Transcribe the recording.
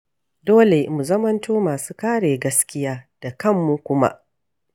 Farawa